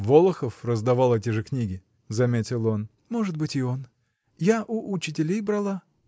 — Волохов раздавал эти же книги. — заметил он. — Может быть, и он. Я у учителей брала.